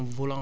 dëgg la